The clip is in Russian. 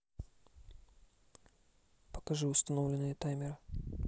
покажи установленные таймеры